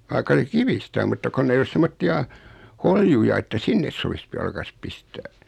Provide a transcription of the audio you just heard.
vaikka se kivistä on mutta kun ei ole semmoisia holjuja että sinne sopisi - jalkansa pistää